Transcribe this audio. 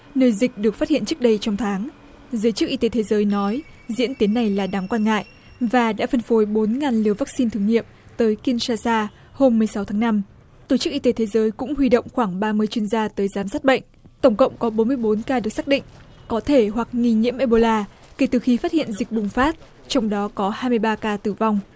nơi dịch được phát hiện trước đây trong tháng giới chức y tế thế giới nói diễn tiến này là đáng quan ngại và đã phân phối bốn ngàn liều vắc xin thử nghiệm tới kin sa da hôm mười sáu tháng năm tổ chức y tế thế giới cũng huy động khoảng ba mươi chuyên gia tới giám sát bệnh tổng cộng có bốn mươi bốn ca được xác định có thể hoặc nghi nhiễm ê bô la kể từ khi phát hiện dịch bùng phát trong đó có hai mươi ba ca tử vong